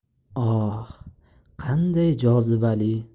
oh qanday jozibali